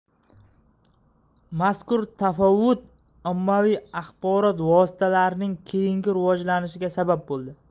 mazkur tafovut ommaviy axborot vositalarining keyingi rivojlanishiga sabab bo'ldi